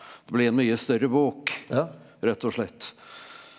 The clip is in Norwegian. det blir en mye større bok rett og slett.